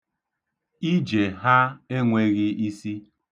Ije ha enweghị isi.